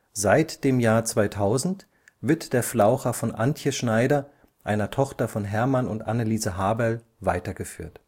Seit dem Jahr 2000 wird der Flaucher von Antje Schneider, einer Tochter von Hermann und Anneliese Haberl, weitergeführt